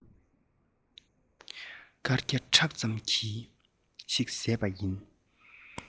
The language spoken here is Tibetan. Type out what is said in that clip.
རྐང བརྒྱ ཕྲག ཙམ ཞིག བཟས པ ཡིན